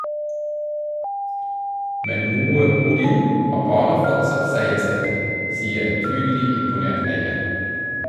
Men Moe Odin har bare fortsatt seiersrekken, sier en tydelig imponert eier.